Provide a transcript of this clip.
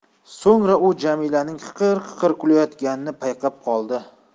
so'ngra u jamilaning qiqir qiqir kulayotganini payqab qolibdi